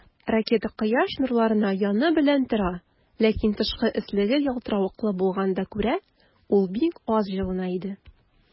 Ракета Кояш нурларына яны белән тора, ләкин тышкы өслеге ялтыравыклы булганга күрә, ул бик аз җылына иде.